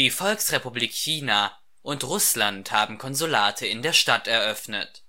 Volksrepublik China und Russland haben Konsulate in der Stadt eröffnet